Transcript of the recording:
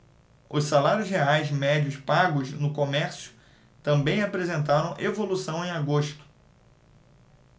os salários reais médios pagos no comércio também apresentaram evolução em agosto